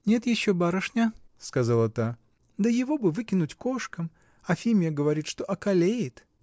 — Нет еще, барышня, — сказала та, — да его бы выкинуть кошкам. Афимья говорит, что околеет.